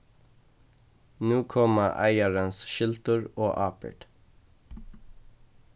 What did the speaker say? nú koma eigarans skyldur og ábyrgd